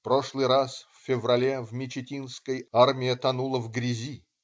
Прошлый раз, в феврале, в Мечетинской, армия тонула в грязи.